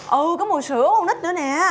ừ có mùi sữa con nít nữa nè